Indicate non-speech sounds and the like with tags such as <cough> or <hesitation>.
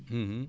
<hesitation> <hesitation>